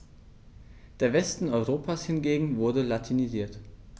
Der Westen Europas hingegen wurde latinisiert.